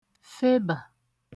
febà